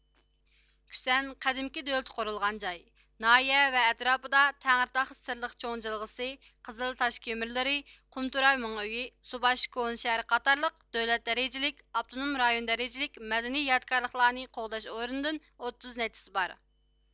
كۈسەن قەدىمكى دۆلىتى قۇرۇلغان جاي ناھىيە ۋە ئەتراپىدا تەڭرىتاغ سىرلىق چوڭ جىلغىسى قىزىل تاشكېمىرلىرى قۇمتۇرا مېڭئۆيى سۇباش كونا شەھىرى قاتارلىق دۆلەت دەرىجىلىك ئاپتونوم رايون دەرىجىلىك مەدەنىي يادىكارلىقلارنى قوغداش ئورنىدىن ئوتتۇز نەچچىسى بار